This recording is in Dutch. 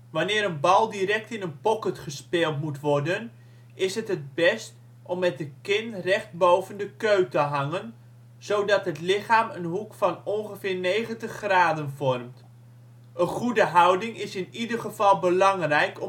Wanneer een bal direct in een pocket gespeeld moet worden, is het het best om met de kin recht boven de keu te hangen, zodat het lichaam een hoek van ongeveer 90 graden vormt. Een goede houding is in ieder geval belangrijk